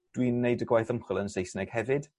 dwi'n neud y gwaith ymchwil yn Saesneg hefyd.